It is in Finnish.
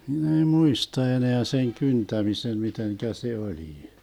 minä ei muista enää sen kyntämisen miten se oli